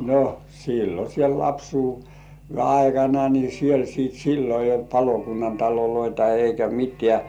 no silloin siellä - lapsuuden aikana niin siellä sitten silloin ei ollut palokunnan taloja eikä mitään